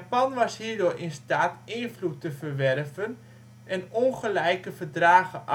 was hierdoor in staat invloed te verwerven en ongelijke verdragen